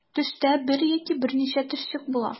Төштә бер яки берничә төшчек була.